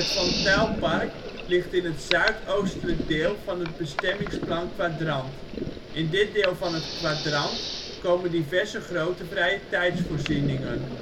van Tuyllparkt ligt in het zuidoostelijk deel van het bestemmingsplan Kwadrant. In dit deel van het Kwadrant komen diverse grote vrijetijdsvoorzieningen